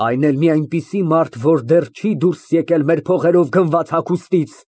Այն էլ մի այնպիսի մարդ, որ դեռ չի դուրս եկել մեր փողերով գնված հագուստից։